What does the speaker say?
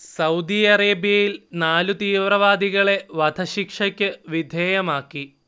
Saudi അറേബൃയിൽ നാല് തീവ്രവാദികളെ വധശിക്ഷയ്ക്ക് വിധേയമാക്കി